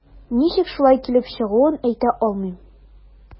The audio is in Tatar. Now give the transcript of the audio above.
Ничек шулай килеп чыгуын әйтә алмыйм.